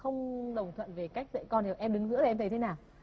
không đồng thuận về cách dạy con em đứng giữa em thấy thế nào